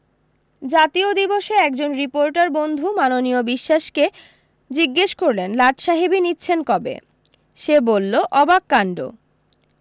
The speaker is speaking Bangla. জাতীয় দিবসে একজন রিপোর্টার বন্ধু মাননীয় বিশ্বাসকে জিজ্ঞেস করলেন লাটসাহেবী নিচ্ছেন কবে সে বললো অবাক কাণড